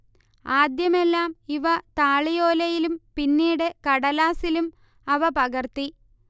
ആദ്യമെല്ലാം ഇവ താളിയോലയിലും പിന്നീട് കടലാസിലും അവ പകർത്തി